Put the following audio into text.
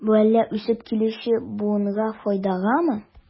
Бу әллә үсеп килүче буынга файдагамы?